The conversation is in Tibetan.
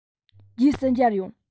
རྗེས སུ མཇལ ཡོང